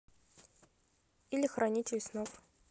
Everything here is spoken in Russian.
или хранитель снов